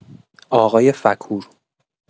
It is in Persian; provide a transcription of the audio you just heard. آقای فکور